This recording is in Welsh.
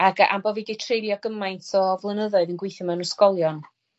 Ag a- am bo' fi 'di treulio gymaint o flynyddoedd yn gweitho mewn ysgolion